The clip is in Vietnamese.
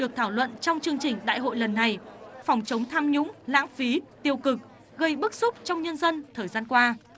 được thảo luận trong chương trình đại hội lần này phòng chống tham nhũng lãng phí tiêu cực gây bức xúc trong nhân dân thời gian qua